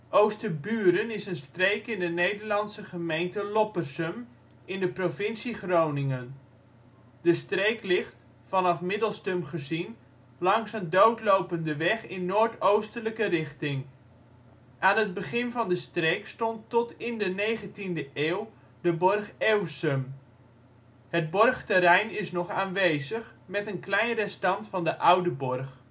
Oosterburen is een streek in de Nederlandse gemeente Loppersum in de provincie Groningen. De streek ligt, vanaf Middelstum gezien, langs een doodlopende weg in noordoostelijke richting. Aan het begin van de streek stond tot in de negentiende eeuw de borg Ewsum. Het borgterrein is nog aanwezig, met een klein restant van de oude borg